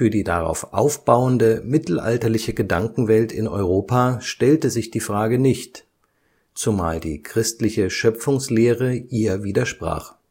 die darauf aufbauende mittelalterliche Gedankenwelt in Europa stellte sich die Frage nicht, zumal die christliche Schöpfungslehre ihr widersprach